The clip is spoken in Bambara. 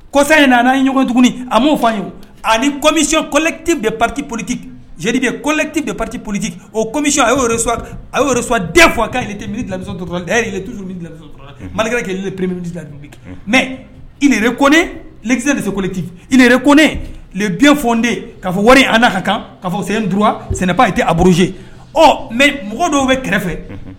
Kɔsa in ɲɔgɔn tuguni a'o ani kɔmisilɛ te bɛ p pati politidi bɛ kɔlɛti bɛ pariti politi o kɔmisi arewa awaden fɔ a katej malikɛ kel pre mɛre konɛ desetire koe b f nden ka wari an ka kan ka fɔ sen sɛnɛba ye tɛ auruze ɔ mɛ mɔgɔ dɔw bɛ kɛrɛfɛ